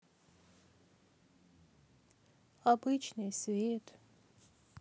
обычный свет